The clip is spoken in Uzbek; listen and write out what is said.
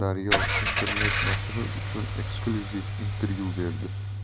daryo internet nashri uchun eksklyuziv intervyu berdi